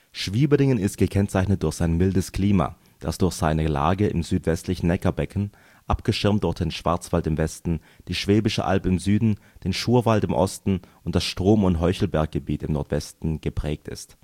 Schwieberdingen ist gekennzeichnet durch sein mildes Klima, das durch seine Lage im südwestlichen Neckarbecken, abgeschirmt durch den Schwarzwald im Westen, die Schwäbische Alb im Süden, den Schurwald im Osten und das Strom - und Heuchelberggebiet im Nordwesten geprägt ist